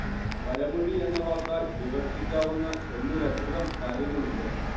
വരമൊഴി എന്ന വാക്കാൽ വിവക്ഷിക്കാവുന്ന ഒന്നിലധികം കാര്യങ്ങളുണ്ട്